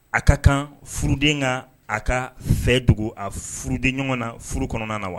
A ka kan furuden ka a ka fɛ dogo a furuden ɲɔgɔn na furu kɔnɔna na wa?